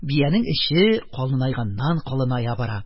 Биянең эче калынайганнан калыная бара.